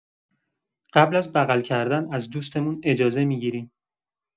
قبل از بغل کردن از دوستمون اجازه می‌گیریم.